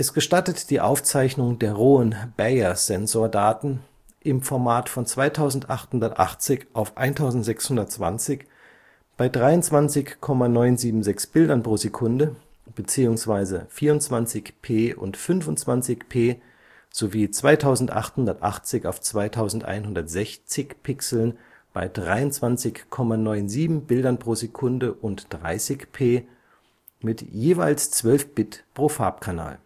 gestattet die Aufzeichnung der rohen Bayer-Sensor-Daten im Format von 2880 × 1620 bei 23,976 Bildern/s, 24p und 25p sowie 2880 × 2160 Pixeln bei 23,97 Bildern/s, und 30p, mit jeweils 12 Bit pro Farbkanal